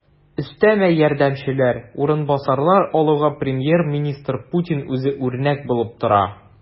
Өстәмә ярдәмчеләр, урынбасарлар алуга премьер-министр Путин үзе үрнәк булып тора.